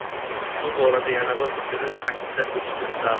shu borada yana bir fikrni ta'kidlab o'tishni istardim